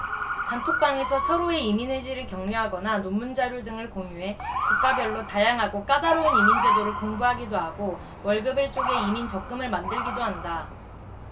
단톡방에서 서로의 이민 의지를 격려하거나 논문 자료 등을 공유해 국가별로 다양하고 까다로운 이민 제도를 공부하기도 하고 월급을 쪼개 이민 적금을 만들기도 한다